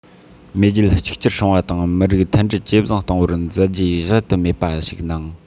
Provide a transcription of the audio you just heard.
མེས རྒྱལ གཅིག གྱུར སྲུང བ དང མི རིགས མཐུན སྒྲིལ ཇེ བཟང གཏོང བར མཛད རྗེས གཞལ དུ མེད པ ཞིག གནང